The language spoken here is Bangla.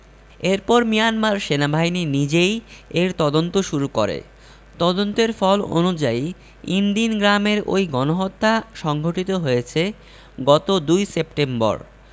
এরপর মিয়ানমার সেনাবাহিনী নিজেই এর তদন্ত শুরু করে তদন্তের ফল অনুযায়ী ইনদিন গ্রামের ওই গণহত্যা সংঘটিত হয়েছে গত ২ সেপ্টেম্বর